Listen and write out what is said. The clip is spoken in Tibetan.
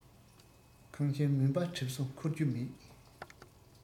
ཁང ཁྱིམ མུན པ གྲིབ སོ འཁོར རྒྱུ མེད